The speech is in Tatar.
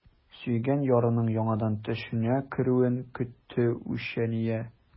Сөйгән ярының яңадан төшенә керүен көтте үчәния.